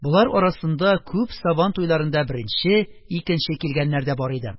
Болар арасында күп сабан туйларында беренче, икенче килгәннәр дә бар иде.